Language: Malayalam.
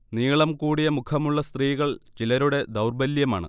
നീളം കൂടിയ മുഖമുള്ള സ്ത്രീകൾ ചിലരുടെ ദൌർബല്യമാണ്